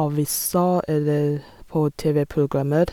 avisa eller på TV-programmer.